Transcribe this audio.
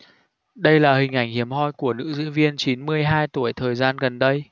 đây là hình ảnh hiếm hoi của nữ diễn viên chín mươi hai tuổi thời gian gần đây